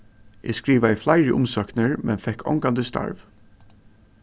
eg skrivaði fleiri umsóknir men fekk ongantíð starv